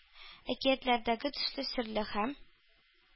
Әкиятләрдәге төсле серле һәм